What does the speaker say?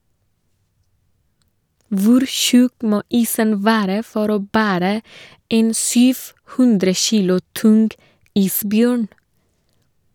Hvor tjukk må isen være for å bære en 7 00 kilo tung isbjørn?